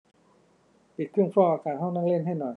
ปิดเครื่องฟอกอากาศห้องนั่งเล่นให้หน่อย